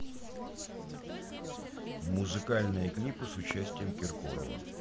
музыкальные клипы с участием киркорова